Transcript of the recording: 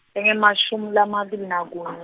lengemashumi lamabili nakunye.